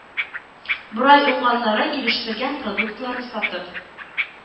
Борай уңганнары итештергән продуктларны сатып